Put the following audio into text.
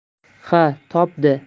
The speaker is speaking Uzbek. ha topdi